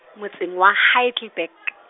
motseng wa Heidelburg.